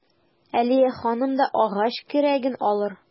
Алия ханым да агач көрәген алыр.